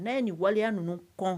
Ne nin waleya ninnu kɔn